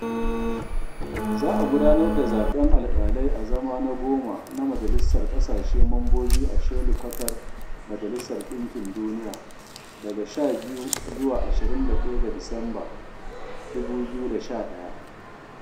Za a gudanar da zaɓen alƙalai a zama na goma na Majalisar Ƙasashe Mambobi a shelikwatar Majalisar Ɗinkin Duniya daga 12 zuwa 21 ga Disamba, 2011.